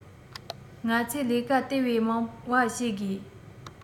ང ཚོས ལས ཀ དེ བས མང བ བྱེད དགོས